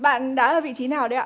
bạn đá ở vị trí nào đấy ạ